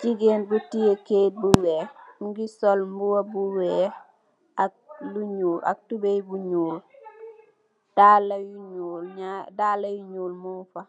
Gigeen bu teyeh kayit bu wèèx , mugeh sol buba bu wèèx ak tubayi bu ñuul , dalla yu ñuul munfa,